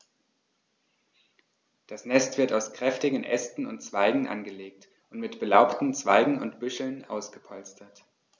Das Nest wird aus kräftigen Ästen und Zweigen angelegt und mit belaubten Zweigen und Büscheln ausgepolstert.